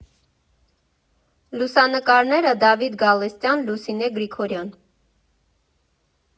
Լուսանկարները՝ Դավիթ Գալստյան, Լուսինե Գրիգորյան։